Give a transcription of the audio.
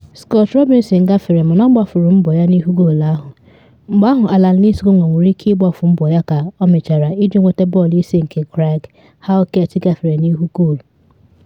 Scott Robinson gafere mana ọ gbafuru mbọ ya n’ihu goolu ahụ, mgbe ahụ Alan Lithgow nwenwuru ike ịgbafu mbọ ya ka ọ mịchara iji nweta bọọlụ isi nke Craig Halkett gafere n’ihu goolu.